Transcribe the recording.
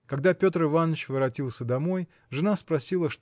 Когда Петр Иваныч воротился домой, жена спросила